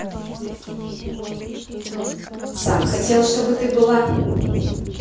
сам хотел чтобы ты была